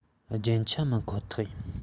རྒྱན ཆ མིན ཁོ ཐག ཡིན